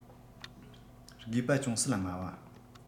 དགོས པ ཅུང ཟད དམའ བ